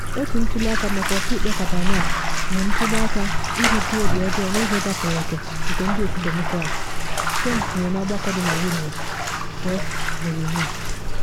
“Otu ntuli aka maka Ọkaikpe Kavanaugh bụ ntuli aka iji jụ obi ọjọọ na ụzọ gafere oke nke ndị Otu Demokrats,” Trump kwuru n’ọgbakọ dị na Wheeling, West Virginia.